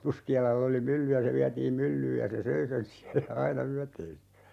Puskialalla oli mylly ja se vietiin myllyyn ja se söi sen siellä aina yöteessä